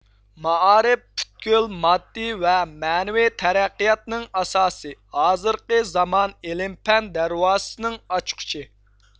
مائارىپ پۈتكۈل ماددىي ۋە مەنىۋى تەرەققىياتنىڭ ئاساسى ھازىرقى زامان ئىلىم پەن دەرۋازىسىنىڭ ئاچقۇچى